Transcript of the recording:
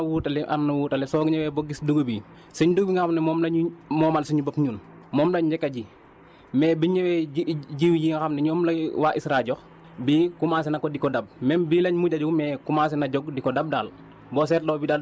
waaw am na wuutale am na wuutale soo ñëwee ba gis dugub yi suñ dugub nga xam moom lañ moomal suñu bopp ñun moom lañ njëkk a ji mais bi ñëwee ji jiw yi nga xam ne ñoom la waa ISRA jox bii commencé na ko di ko dab même bii lañ mujjee jiw mais commencé na di ko dab daal